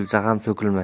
bukilsa ham so'kilmas